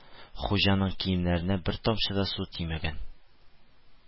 Хуҗаның киемнәренә бер тамчы да су тимәгән